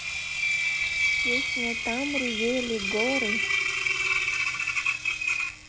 песня там ревели горы